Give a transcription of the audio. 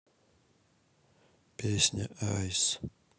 песня айс